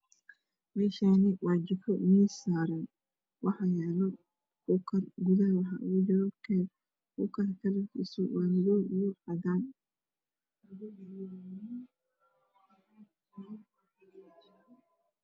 Meshani waa jiko mees saran wax yalo kukar gudaha waxa uga jiro keeg kukarka kalarkisa waa madow io cadan